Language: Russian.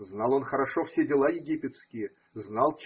Знал он хорошо все дела египетские, знал.